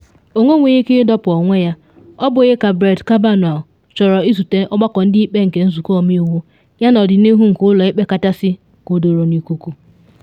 Ọ nwenwughi ike ịdọpụ onwe ya, ọbụghị ka Brett Kavanaugh chọrọ izute Ọgbakọ Ndị Ikpe nke Nzụkọ Ọmeiwu yana ọdịnihu nke Ụlọ Ikpe Kachasị kodoro n’ikuku.